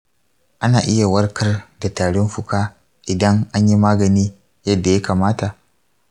ana iya warkar da tarin fuka idan an yi magani yadda ya kamata.